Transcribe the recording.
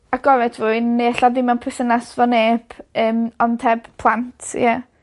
agored rywun ne ella dim mewn perthynaf 'fo neb.